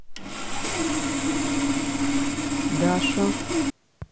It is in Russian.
даша